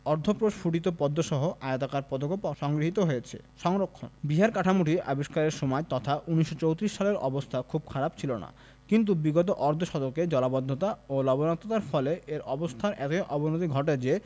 অর্ধপ্রস্ফুটিতপদ্মসহ আয়তাকার পদকও সংগৃহীত হয়েছে সংরক্ষণ বিহার কাঠামোটি আবিষ্কারের সময় তথা ১৯৩৪ সালের অবস্থা খুব খারাপ ছিল না কিন্তু বিগত অর্ধ শতকে জলাবদ্ধতা ও লবণাক্ততার ফলে এর অবস্থার এতই অবনতি ঘটে যে